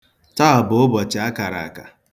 Taa bụ ụbọchị a kara aka.